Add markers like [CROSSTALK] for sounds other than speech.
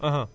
[HESITATION] [HESITATION]